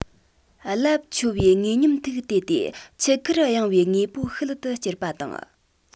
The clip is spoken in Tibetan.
རླབས འཕྱོ ཡིས ངོས སྙོམས ཐིག དེད དེ ཆུ ཁར གཡེང བའི དངོས པོ ཤུལ དུ བསྐྱུར པ དང